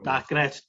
na grêt